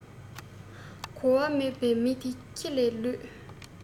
གོ བ མེད པའི མི དེ ཁྱི ལས ལོད